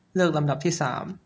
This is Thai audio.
เลือกลำดับที่สาม